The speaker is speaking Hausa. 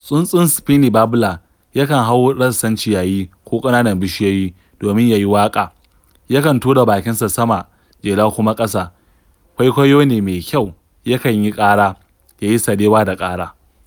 Tsuntsun Spiny Babbler yakan hau rassan ciyayi ko ƙananan bishiyoyi domin ya yi waƙa, yakan tura bakinsa sama jela kuma ƙasa, kwaikwayo ne mai kyau, yakan yi ƙara, ya yi sarewa da ƙara.